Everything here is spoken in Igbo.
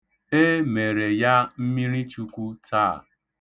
E mere ya mmirichukwu taa.